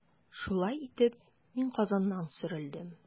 Шулай итеп, мин Казаннан сөрелдем.